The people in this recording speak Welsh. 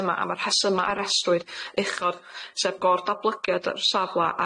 yma a ma'r rhesyma' arestrwyd uchod sef gor-datblygiad y safle